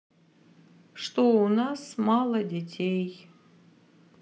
что у нас мало детей